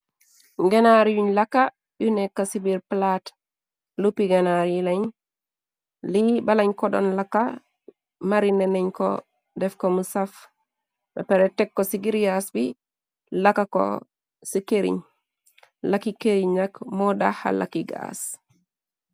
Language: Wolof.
Ganaar yuñ laka yu nekk ci biir plaate lu pi ganaar yi lañ lii ba lañ ko doon laka mari ne neñ ko def ko musaf bepere tek ko ci giryaas bi lakka ko ci këriñ laki këriñ ñak moo daha laki gaas.